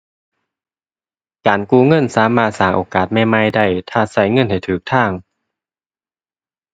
การกู้เงินสามารถสร้างโอกาสใหม่ใหม่ได้ ถ้าใช้เงินให้ใช้ทาง